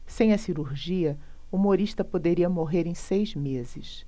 sem a cirurgia humorista poderia morrer em seis meses